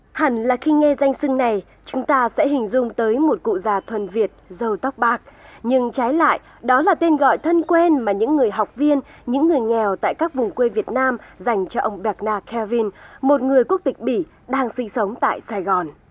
hẳn là khi nghe danh xưng này chúng ta sẽ hình dung tới một cụ già thuần việt râu tóc bạc nhưng trái lại đó là tên gọi thân quen mà những người học viên những người nghèo tại các vùng quê việt nam dành cho ông bẹc nà ke vin một người quốc tịch bỉ đang sinh sống tại sài gòn